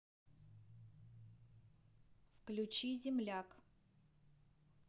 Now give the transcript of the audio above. включи земляк